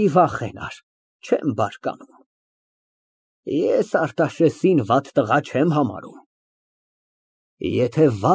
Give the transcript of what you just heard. Մի վախենար, չեմ բարկանում։